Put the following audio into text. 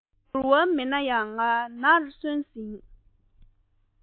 འགྱུར བ མེད ན ཡང ང ནར སོན ཟིན